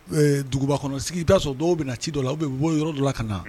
Duguba kɔnɔ sigi da sɔrɔ dɔw na ci dɔ la u bɛ bɔ yɔrɔ dɔ la ka na